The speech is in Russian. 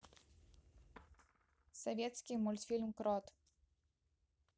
советский мультфильм крот